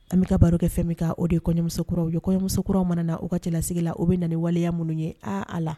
An bɛka baro kɛ fɛn min kan, o de ye kɔɲɔmusokuraw ye, kɔɲɔmusokuraw mana na u ka cɛlasigi la, u bɛ na waleya minnu ye aa allah